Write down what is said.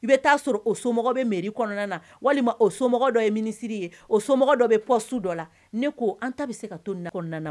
I bɛ taa sɔrɔ o somɔgɔw bɛ miri kɔnɔna na walima o somɔgɔ dɔ ye minisiri ye o somɔgɔ dɔ bɛɔ su dɔ la ne ko an ta bɛ se ka to nakɔ